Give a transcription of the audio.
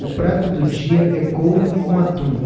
o prato do dia é couve com atum